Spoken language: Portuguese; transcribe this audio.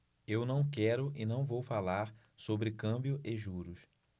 eu não quero e não vou falar sobre câmbio e juros